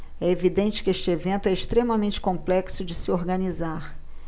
é evidente que este evento é extremamente complexo de se organizar